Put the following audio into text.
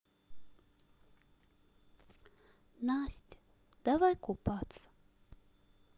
настя давай купаться